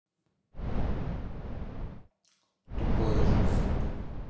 тупая железяка